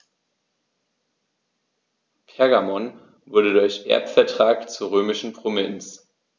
Pergamon wurde durch Erbvertrag zur römischen Provinz.